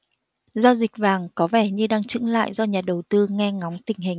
giao dịch vàng có vẻ như đang chững lại do nhà đầu tư nghe ngóng tình hình